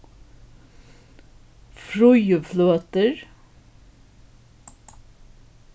fríðufløtur